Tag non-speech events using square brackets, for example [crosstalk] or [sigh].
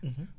[hesitation] [hesitation]